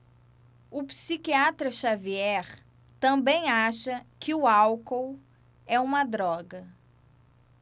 o psiquiatra dartiu xavier também acha que o álcool é uma droga